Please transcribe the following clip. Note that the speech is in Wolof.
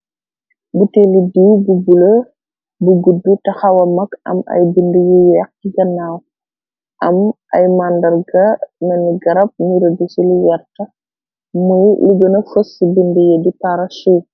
Buteli dii bu gule bu gudbi taxawa mag am ay bind yiy yaxqi gannaaw am ay màndarga nani garab mira bi ci lu werta moy liguna fos ci bind ye di para cher.